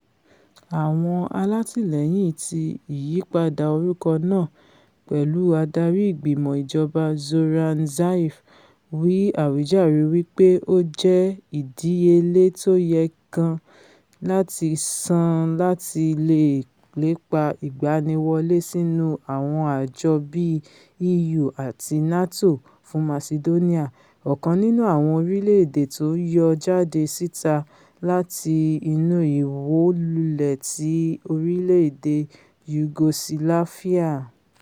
Àwọn alátìlẹyìn ti ìyípadà orúkọ náà, pẹ̀lú Adarí Ìgbìmọ̀ Ìjọba Zoran Zaev, wí àwíjàre wí pé ó jẹ́ ìdíyelé tóyẹ kan láti san láti leè lépa ìgbaniwọlé sínu àwọn àjọ bíi EU àti NATO fún Masidóníà, ọ̀kan nínú àwọn orílẹ̀-èdè tó yọ jáde síta láti inú ìwólulẹ̀ ti orílẹ̀-èdè Yugosilafia.